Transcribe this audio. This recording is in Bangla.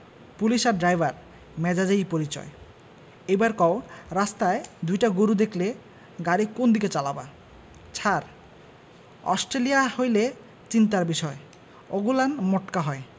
পুলিশ আর ড্রাইভার মেজাজেই পরিচয় এইবার কও রাস্তায় দুইটা গরু দেখলে গাড়ি কোনদিকে চালাবা ছার অশটেলিয়া হইলে চিন্তার বিষয় ওগুলান মোটকা হয়